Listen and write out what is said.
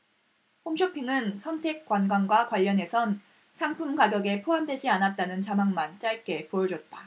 홈쇼핑은 선택관광과 관련해선 상품 가격에 포함되지 않았다는 자막만 짧게 보여줬다